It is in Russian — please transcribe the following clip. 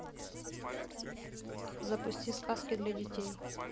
запусти сказки для детей